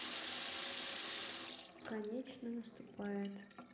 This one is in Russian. конечно наступает